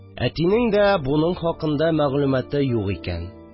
Әтинең дә моның хакында мәгълүматы юк икән